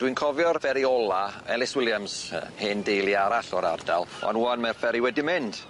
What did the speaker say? Dwi'n cofio'r ferri ola Ellis Williams yy hen deulu arall o'r ardal on' ŵan mae'r ferri wedi mynd.